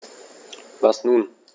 Was nun?